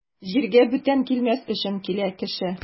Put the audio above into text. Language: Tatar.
Җиргә бүтән килмәс өчен килә кеше.